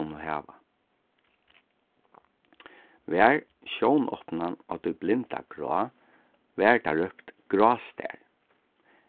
kunnu hava var sjónopnan á tí blinda grá varð tað rópt grástar